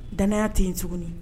Dananaya tɛ yen tuguni